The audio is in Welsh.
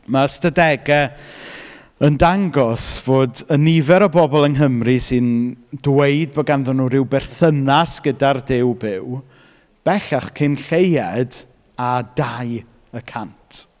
Ma' ystadegau yn dangos fod y nifer o bobl yng Nghymru sy'n dweud bod ganddyn nhw ryw berthynas gyda'r Duw byw, bellach cyn lleied â dau y cant.